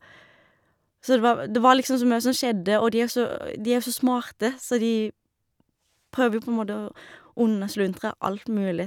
Så det var v det var liksom så mye som skjedde, og de er så de er jo så smarte, så de prøver jo på en måte å unnasluntre alt mulig.